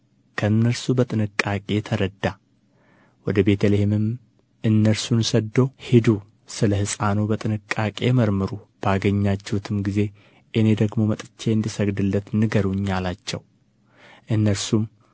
ከእነርሱ በጥንቃቄ ተረዳ ወደ ቤተ ልሔምም እነርሱን ሰድዶ ሂዱ ስለ ሕፃኑ በጥንቃቄ መርምሩ ባገኛችሁትም ጊዜ እኔ ደግሞ መጥቼ እንድሰግድለት ንገሩኝ አላቸው እነርሱም